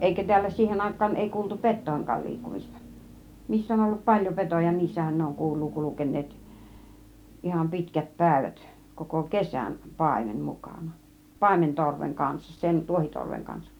eikä täällä siihen aikaan ei kuultu petojenkaan liikkumista missä on ollut paljon petoja niissähän ne on kuuluu kulkeneet ihan pitkät päivät koko kesän paimen mukana paimen torven kanssa sen tuohitorven kanssa